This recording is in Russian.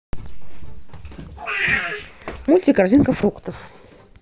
мультик корзинка фруктов